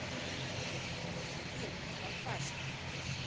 афина ты какашка